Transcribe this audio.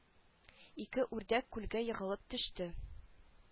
Ике үрдәк күлгә егылып төште